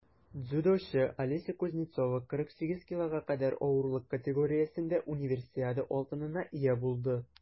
Дзюдочы Алеся Кузнецова 48 кг кадәр авырлык категориясендә Универсиада алтынына ия булды.